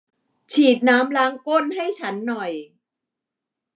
ฉีดน้ำล้างก้นให้ฉันหน่อย